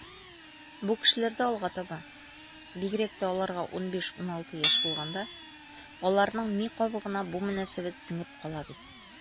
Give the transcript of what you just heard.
Бу кешеләрдә алга таба, бигрәк тә аларга 15-16 яшь булганда, аларның ми кабыгына бу мөнәсәбәт сеңеп кала бит.